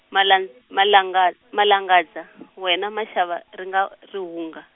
Malan- Malanga- Malangadza wena maxava, ri nga rihunga.